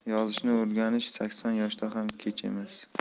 yozishni o'rganish sakson yoshda ham kech emas